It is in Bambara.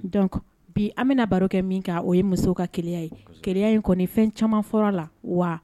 Donc bi an bɛna baro kɛ min ka o ye musow ka ke ye ke in kɔni fɛn caman fɔlɔ la wa